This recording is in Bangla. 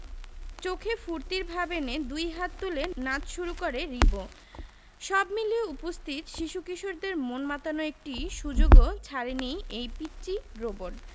চোখে ফূর্তির ভাব এনে দুই হাত তুলে নাচ শুরু করে রিবো সব মিলিয়ে উপস্থিত শিশু কিশোরদের মন মাতানোর একটি সুযোগও ছাড়েনি এই পিচ্চি রোবট